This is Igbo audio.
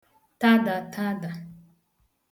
tada adada